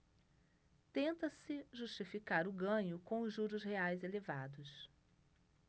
tenta-se justificar o ganho com os juros reais elevados